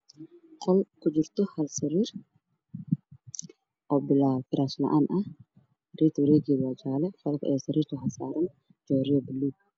Qol ku jirto hal sariir oo bilaa firaash la, aan ah sariirta wareegeeda waa jaale joodariga saaran waa baluug